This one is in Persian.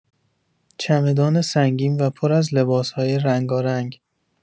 چمدان سنگین و پر از لباس‌های رنگارنگ